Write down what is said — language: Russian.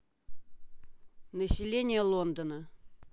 население лондона